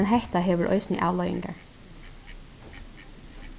men hetta hevur eisini avleiðingar